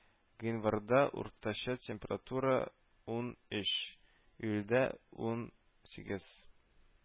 Гыйнварда уртача температура унөч; июльдә унсигез